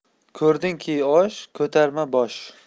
ko'rdingki osh ko'tarma bosh